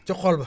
ca xol ba